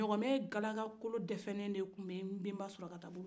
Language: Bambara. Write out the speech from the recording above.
ɲɔgɔmɛ galaka kolo mɔntɔn ne de tun ba bolo